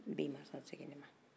den ma sɔn seginni ma